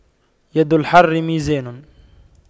يد الحر ميزان